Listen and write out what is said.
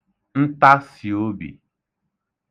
ntasìobì